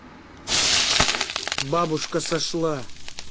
бабушка сошла